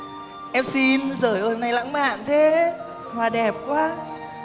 em xin giời ơi hôm nay lãng mạn thế hoa đẹp quá